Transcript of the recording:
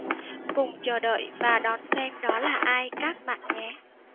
cùng chờ đợi và đón xem đó là ai các bạn nhé